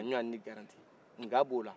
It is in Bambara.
ka ɲɔgɔn ni garanti nka b'o la